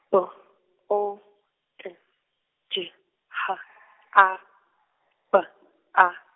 B, O, T, J, H, A, B, A.